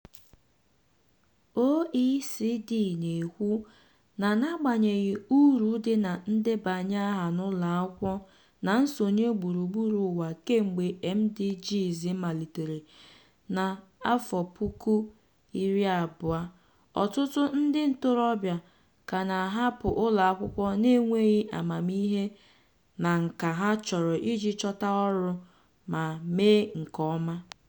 OECD na-ekwu na n'agbanyeghị uru dị na ndebanye aha n'ụlọakwụkwọ na nsonye gburugburu ụwa kemgbe MDGs malitere na 2000, ọtụtụ ndị ntorobịa ka na-ahapụ ụlọakwụkwọ n'enweghị amamihe na nkà ha chọrọ iji chọta ọrụ ma mee nke ọma.